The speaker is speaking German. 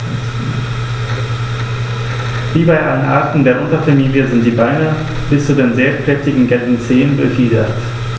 Wie bei allen Arten der Unterfamilie sind die Beine bis zu den sehr kräftigen gelben Zehen befiedert.